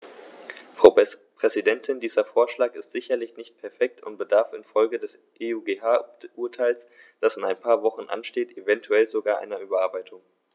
Frau Präsidentin, dieser Vorschlag ist sicherlich nicht perfekt und bedarf in Folge des EuGH-Urteils, das in ein paar Wochen ansteht, eventuell sogar einer Überarbeitung.